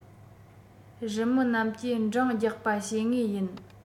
རུ མི རྣམས ཀྱིས འགྲངས རྒྱག པ བྱེད ངེས ཡིན